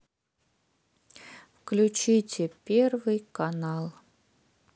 включите первый канал